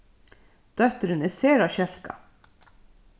dóttirin er sera skelkað